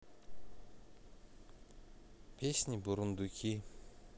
песни бурундуки